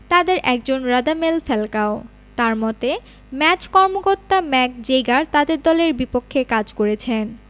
তাদের একজন Radamel Falcao তার মতে ম্যাচ কর্মকর্তা মেক জেইগার তাদের দলের বিপক্ষে কাজ করেছেন